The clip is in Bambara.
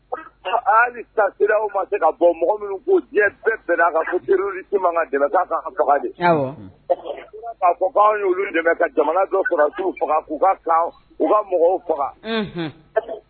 Siraw ma se ka bɔ mɔgɔ minnu'u bɛɛ fɔ dɛmɛ jamana dɔ faga u ka mɔgɔw faga